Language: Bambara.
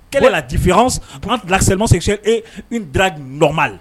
Kɛlɛ la tɛ fi an bila n sɛgɛ e da n nɔma la